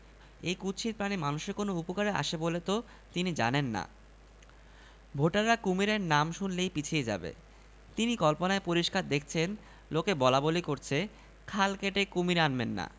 এক ঘণ্টার মধ্যে কুড়িটা ঢেকুর ওঠে গেছে ঘণ্টায় কুড়িটা হিসেবে ঢেকুর ওঠার মত কারণ ঘটেছে ইলেকশনে তাঁর মার্কা পড়েছে কুমীর এত কিছু থাকতে তাঁর ভাগ্যে পড়ল কুমীর